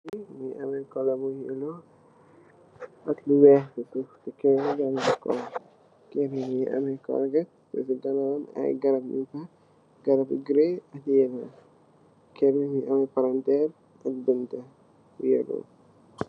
Kerr bi mungi ameh colour bu yellow ak lu wekh ak lu xongxo. Kerr bi mungi ameh korget ay garab yu bakh, garab yu grey ak yena yii. Kerr bi mungi ameh palenterr ak bunta bu yellow.